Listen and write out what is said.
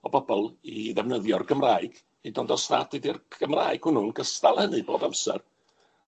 o bobol i ddefnyddio'r Gymraeg, hyd yn oed os nad ydi'r Gymraeg hwnnw'n gystal hynny bob amser.